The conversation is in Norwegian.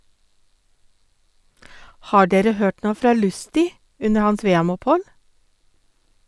- Har dere hørt noe fra Lustü under hans VM-opphold?